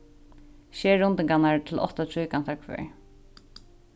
sker rundingarnar til átta tríkantar hvør